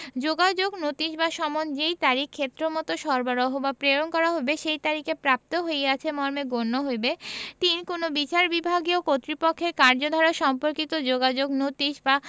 যোগাযোগ নোটিশ বা সমন যেই তারিখে ক্ষেত্রমত সরবরাহ বা প্রেরণ করা হইবে সেই তারিখে প্রাপ্ত হইয়াছে মর্মে গণ্য হইবে ৩ কোন বিচার বিভাগীয় কর্তৃপক্ষের কার্যধারা সম্পর্কিত যোগাযোগ নোটিশ বা